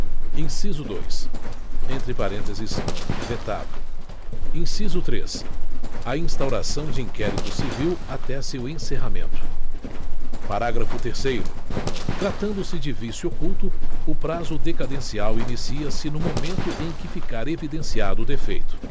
inciso dois entre parênteses vetado inciso três a instauração de inquérito civil até seu encerramento parágrafo terceiro tratando se de vício oculto o prazo decadencial inicia se no momento em que ficar evidenciado o defeito